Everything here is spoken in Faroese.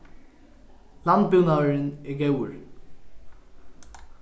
landbúnaðurin er góður